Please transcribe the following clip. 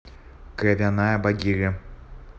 кровяная багира